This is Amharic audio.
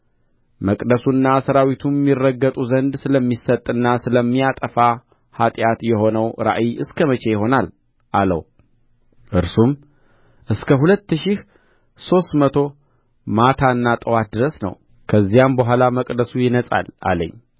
መቅደሱና ሠራዊቱም ይረገጡ ዘንድ ስለሚሰጥና ስለሚያጠፋ ኃጢአት የሆነው ራእይ እስከ መቼ ይሆናል አለው እርሱም እስከ ሁለት ሺህ ሦስት መቶ ማታና ጥዋት ድረስ ነው ከዚያም በኋላ መቅደሱ ይነጻል አለኝ